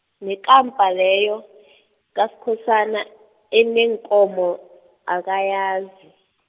nekampa leyo, kaSkhosana, eneenkomo, akayazi.